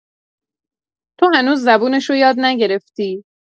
تو هنوز زبونشو یاد نگرفتی.